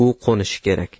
u qo'nishi kerak